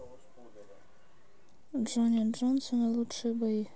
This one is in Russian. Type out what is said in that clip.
джонни джонсон и лучшие бои